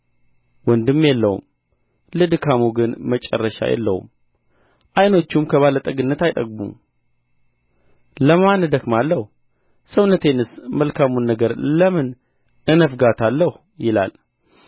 ወንድም የለውም ለድካሙ ግን መጨረሻ የለውም ዓይኖቹም ከባለጠግነት አይጠግቡም ለማን እደክማለሁ ሰውነቴንስ መልካሙን ነገር ለምን እነፍጋታለሁ ይላል